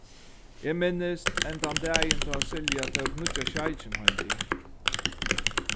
eg minnist enn tann dagin tá silja tók nýggja sjeikin heim við